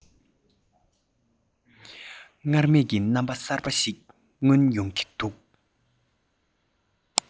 སྔར མེད ཀྱི རྣམ པ གསར པ ཞིག མངོན ཡོང གི འདུག